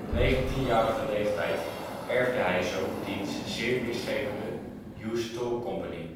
negentienjarige leeftijd erfde hij zo diens zeer winstgevende Hughes Tool Company